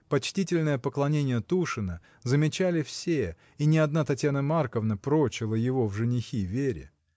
Почтительное поклонение Тушина замечали все, и не одна Татьяна Марковна прочила его в женихи Вере.